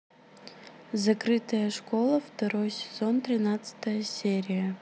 закрытая школа второй сезон тринадцатая серия